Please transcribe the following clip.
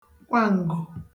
kwa ǹgò